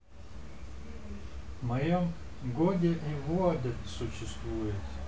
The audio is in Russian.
в моем годе и водят существует